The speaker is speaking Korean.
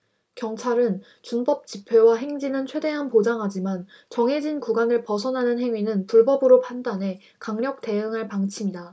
경찰은 준법 집회와 행진은 최대한 보장하지만 정해진 구간을 벗어나는 행위는 불법으로 판단해 강력 대응할 방침이다